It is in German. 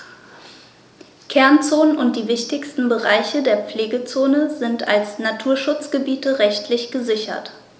Kernzonen und die wichtigsten Bereiche der Pflegezone sind als Naturschutzgebiete rechtlich gesichert.